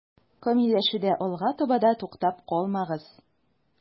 Камилләшүдә алга таба да туктап калмагыз.